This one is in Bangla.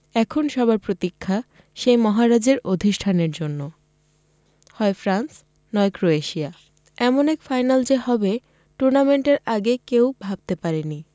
এখন সবার প্রতীক্ষা সেই মহারাজের অধিষ্ঠানের জন্য হয় ফ্রান্স নয় ক্রোয়েশিয়া এমন এক ফাইনাল যে হবে টুর্নামেন্ট শুরুর আগে কেউ ভাবতে পারেননি